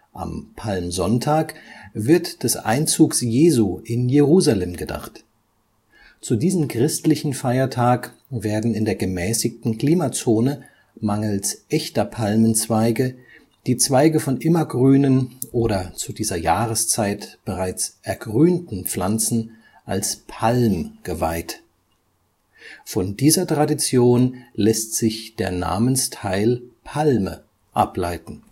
Am Palmsonntag wird des Einzugs Jesu in Jerusalem gedacht. Zu diesem christlichen Feiertag werden in der gemäßigten Klimazone mangels echter Palmenzweige die Zweige von immergrünen oder zu dieser Jahreszeit bereits ergrünten Pflanzen (Weiden, Buchsbaum, Stechpalme) als Palm geweiht. Von dieser Tradition lässt sich der Namensteil Palme ableiten